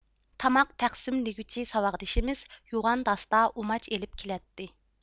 تاماق تەقسىملىگۈچى ساۋاقدىشىمىز يوغان داستا ئۇماچ ئېلىپ كېلەتتى